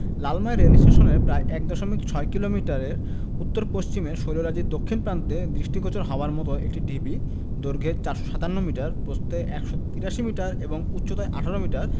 লালমাই রেলস্টেশনের প্রায় ১ দশমিক ৬ কিলোমিটার উত্তর পশ্চিমে শৈলরাজির দক্ষিণ প্রান্তে দৃষ্টিগোচর হওয়ার মতো একটি ঢিবি দৈর্ঘ্যে ৪৫৭ মিটার প্রস্থে ১৮৩ মিটার এবং উচ্চতায় ১৮ মিটার